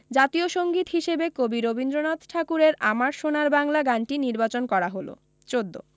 জাতীয় সংগীত হিসেবে কবি রবীন্দ্রনাথ ঠাকুরের আমার সোনার বাংলা গানটি নির্বাচন করা হলো ১৪